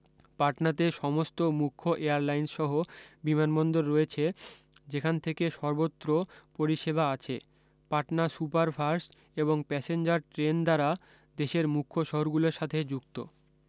পাটনাতে সমস্ত মুখ্য এয়ারলাইন্স সহ বিমানবন্দর রয়েছে যেখান থেকে সর্বত্র পরিসেবা আছে পাটনা সুপার ফার্স্ট এবং প্যাসেঞ্জার ট্রেন দ্বারা দেশের মুখ্য শহর গুলোর সাথে যুক্ত